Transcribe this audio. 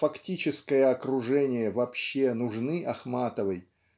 фактическое окружение вообще нужны Ахматовой